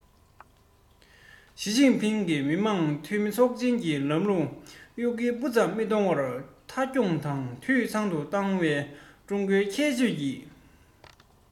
ཞིས ཅིན ཕིང གིས མི དམངས འཐུས མི ཚོགས ཆེན གྱི ལམ ལུགས གཡོ འགུལ སྤུ ཙམ མི གཏོང བར མཐའ འཁྱོངས དང འཐུས ཚང དུ བཏང ནས ཀྲུང གོའི ཁྱད ཆོས ཀྱི